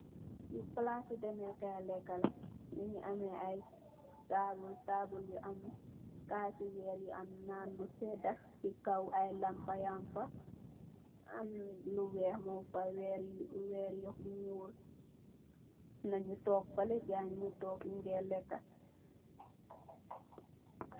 Fe plase deme kaye leka la muge am table table bu am kase werr yu am nan bu seda se kaw aye lampa yagfa am lu weex mugfa werr yu werr yu nuul amna nu tonke fale gaye nuge tonke nuge leka.